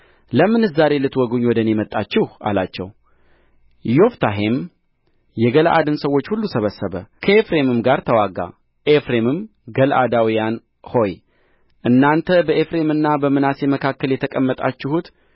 ለምንስ ዛሬ ልትወጉኝ ወደ እኔ መጣችሁ አላቸው ዮፍታሔም የገለዓድን ሰዎች ሁሉ ሰበሰበ ከኤፍሬምም ጋር ተዋጋ ኤፍሬምም ገለዓዳውያን ሆይ እናንተ በኤፍሬምና በምናሴ መካከል የተቀመጣችሁት